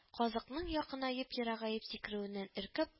Казыкның якынаеп-ерагаеп сикерүеннән өркеп